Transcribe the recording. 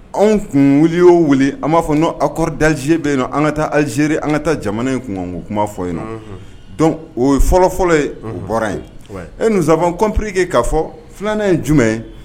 Anw kun wuli y'o weele an b'a fɔ n' a kɔrɔɔri daje bɛ na an ka taa azere an ka taa jamana in kun kuma fɔ yen dɔn o ye fɔlɔfɔlɔ ye o bɔra ye e nsaban kɔnprige k ka fɔ filanan in jumɛn ye